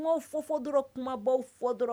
Kumaw fɔ fɔ dɔrɔn kumabaw fɔ dɔrɔn